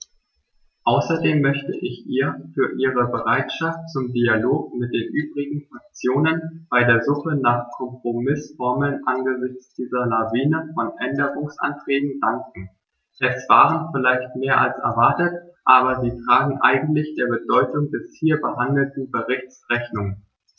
Außerdem möchte ich ihr für ihre Bereitschaft zum Dialog mit den übrigen Fraktionen bei der Suche nach Kompromißformeln angesichts dieser Lawine von Änderungsanträgen danken; es waren vielleicht mehr als erwartet, aber sie tragen eigentlich der Bedeutung des hier behandelten Berichts Rechnung.